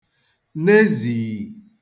ne zìì